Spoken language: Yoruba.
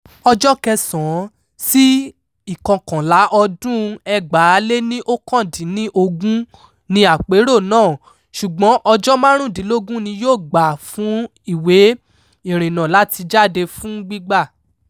Ọjọ́ 9 sí 11 ọdún-un 2019 ni àpérò náà ṣùgbọ́n ọjọ́ márùnúndínlógún ni yó gbà fún ìwé ìrìnnà láti jáde fún gbígbà.